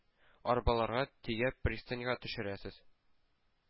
Арбаларга төяп пристаньга төшерерсез.